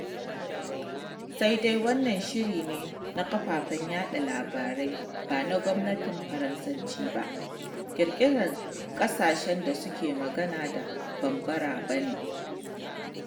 Sai dai wannan shiri ne na kafafen yaɗa labarai bana gwamnatin Faransanci ba, ƙirƙirar ƙasashen da suke magana da Bambara ba ne.